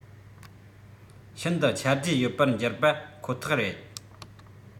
ཤིན ཏུ ཆ རྒྱུས ཡོད པར གྱུར པ ཁོ ཐག རེད